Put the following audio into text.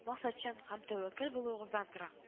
Максатчан һәм тәвәккәл булуыгыздан тора